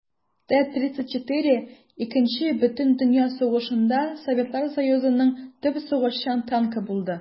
Т-34 Икенче бөтендөнья сугышында Советлар Союзының төп сугышчан танкы булды.